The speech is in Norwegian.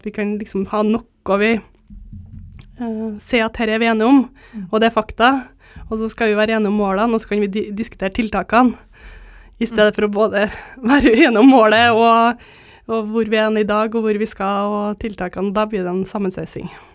vi kan liksom kan ha noe vi sier at det her er vi enige om og det er fakta og så skal vi være enig om måla også kan vi diskutere tiltakene i stedet for å både være uenig om målet og og hvor vi er hen i dag og hvor vi skal og tiltakene da blir det en sammensausing.